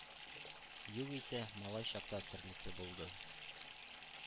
Югыйсә, малай чакта төрлесе булды.